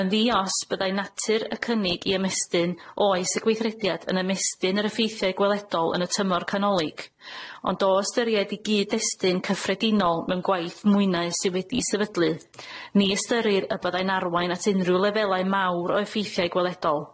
Yn ddi-os byddai natur y cynnig i ymestyn oes y gweithrediad yn ymestyn yr effeithiau gweledol yn y tymor canolig ond o ystyried 'i gyd-destyn cyffredinol mewn gwaith mwynau sydd wedi'i sefydlu ni ystyrir y byddai'n arwain at unrhyw lefelau mawr o effeithiau gweledol.